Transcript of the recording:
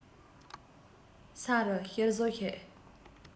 ས རུ གཤེར གཟུགས ཤིག